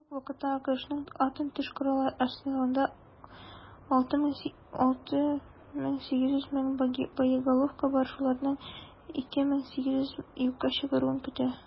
Шул ук вакытта АКШның атом төш коралы арсеналында 6,8 мең боеголовка бар, шуларны 2,8 меңе юкка чыгаруны көтә.